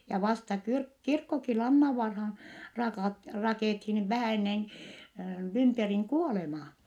ja vasta - kirkkokin Lannanvaaraan - rakennettiin vähän ennen Lymperin kuolemaa